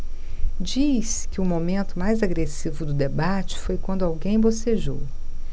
diz que o momento mais agressivo do debate foi quando alguém bocejou